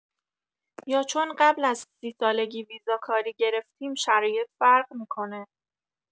یا چون قبل از سی‌سالگی ویزا کاری گرفتیم شرایط فرق می‌کنه؟